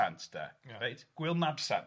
reit gwyl mab sant.